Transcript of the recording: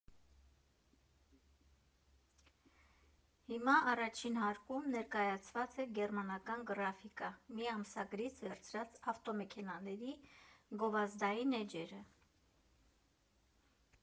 Հիմա առաջին հարկում ներկայացված է գերմանական գրաֆիկա՝ մի ամսագրից վերցրած ավտոմեքենաների գովազդային էջերը։